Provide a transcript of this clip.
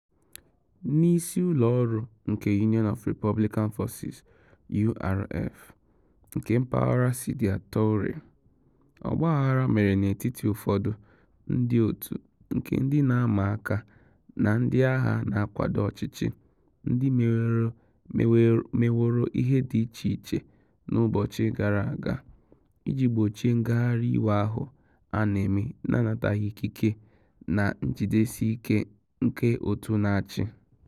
...n'isi ụlọ ọru nke Union of Republican Forces (URF) nke mpaghara Sidya Touré, ọgbaghara mere n'etiti ụfọdụ ndị òtù nke ndị na-ama aka na ndị agha na-akwado ọchịchị ndị meworo ihe dị iche iche n'ụbọchị gara aga iji gbochie ngagharị iwe ahụ a na-eme na-anataghị ikike na njidesi ike nke òtù na-achị.